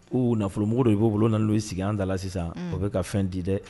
U nafolomɔgɔ dɔ i b'o bolo nan n'o sigi an da sisan o bɛ ka fɛn di dɛ